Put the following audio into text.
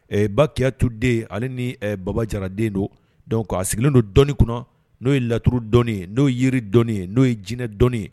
Ɛɛ ba keya tuden ale ni baba jara den don a sigilen don dɔi kɔnɔ n'o ye laturu dɔɔni n'o yiri dɔni n'o ye jinɛ dɔɔni ye